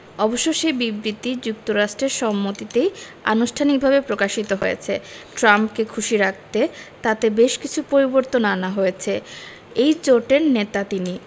অবশ্য সে বিবৃতি যুক্তরাষ্ট্রের সম্মতিতেই আনুষ্ঠানিকভাবে প্রকাশিত হয়েছে ট্রাম্পকে খুশি রাখতে তাতে বেশ কিছু পরিবর্তনও আনা হয়েছে এই জোটের নেতা তিনি